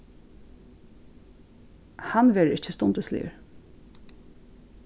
hann verður ikki stundisligur